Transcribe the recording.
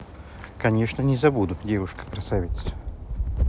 конечно не забуду девушка красавица